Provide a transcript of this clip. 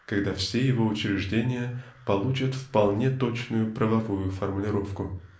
когда все его учреждения получат вполне точную правовую формулировку.